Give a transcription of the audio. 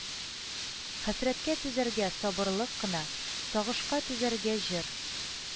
Хәсрәткә түзәргә сабырлык кына, сагышка түзәргә җыр